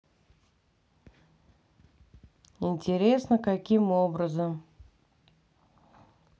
интересно каким образом